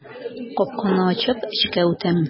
Капканы ачып эчкә үтәм.